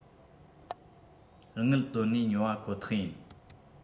དངུལ བཏོན ནས ཉོ བ ཁོ ཐག ཡིན